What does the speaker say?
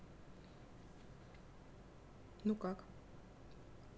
ну как